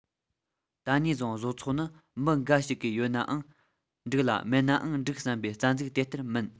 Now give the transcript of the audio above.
ད ནས བཟུང བཟོ ཚོགས ནི མི འགའ ཞིག གིས ཡོད ནའང འགྲིག ལ མེད ནའང འགྲིག བསམས པའི རྩ འཛུགས དེ ལྟར མིན